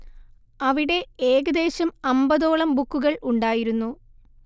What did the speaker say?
അവിടെ ഏകദേശം അമ്പതോളം ബുക്കുകൾ ഉണ്ടായിരുന്നു